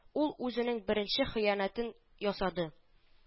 Ул үзенең беренче хыянәтен ясады